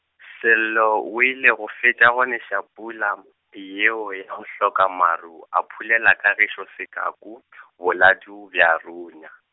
Sello o ile go fetša go neša pula, yeo ya go hloka maru a phulela Kagišo sekaku , boladu bja runya.